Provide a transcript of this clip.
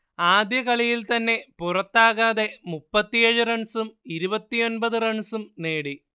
ആദ്യ കളിയിൽ തന്നെ പുറത്താകാതെ മുപ്പത്തിയേഴ് റൺസും ഇരുപത്തിയൊമ്പത് റൺസും നേടി